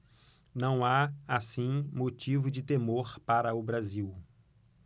não há assim motivo de temor para o brasil